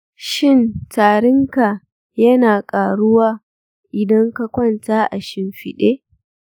shin tarinka yana karuwa idan ka kwanta a shimfiɗe?